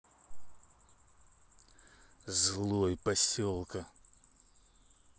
злой поселка